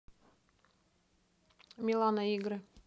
милана игры